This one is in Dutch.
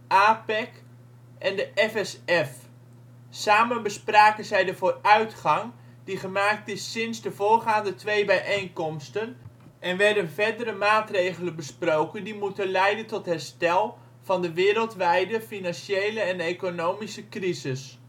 APEC en de FSF. Samen bespraken zij de vooruitgang die gemaakt is sinds de voorgaande twee bijeenkomsten en werden verdere maatregelen besproken die moeten leiden tot herstel van de wereldwijde financiële en economische crisis